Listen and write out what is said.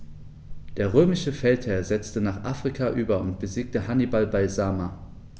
Der römische Feldherr setzte nach Afrika über und besiegte Hannibal bei Zama.